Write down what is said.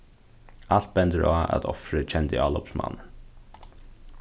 alt bendir á at ofrið kendi álopsmannin